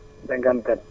37